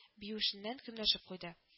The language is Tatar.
Биюшеннән көнләшеп куйды